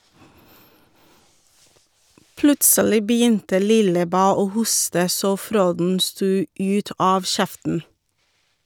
Plutselig begynte Lillebæ å hoste så fråden stod ut av kjeften.